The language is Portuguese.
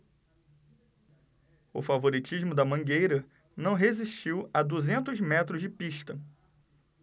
o favoritismo da mangueira não resistiu a duzentos metros de pista